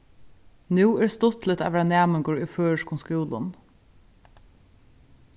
nú er stuttligt at vera næmingur í føroyskum skúlum